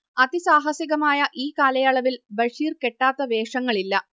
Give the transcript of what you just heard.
അതിസാഹസികമായ ഈ കാലയളവിൽ ബഷീർ കെട്ടാത്ത വേഷങ്ങളില്ല